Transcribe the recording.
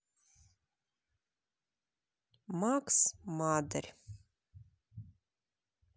макс мадарь